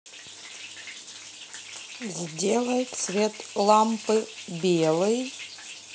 сделай цвет лампы белый